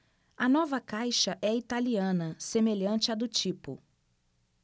a nova caixa é italiana semelhante à do tipo